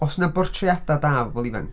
Oes yna bortreadau da o bobl ifanc?